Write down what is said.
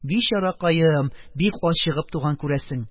Бичаракаем, бик ачыгып туган күрәсең: